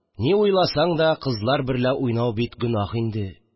Ни уйласаң да, кызлар берлә уйнау бит гөнаһ инде